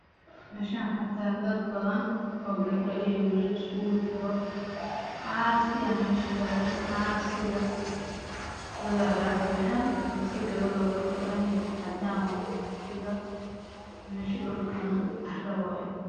Waa laami waxaa jooga dad badan